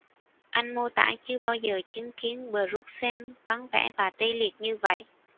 anh mô tả chưa bao giờ chứng kiến brussels vắng vẻ và tê liệt như vậy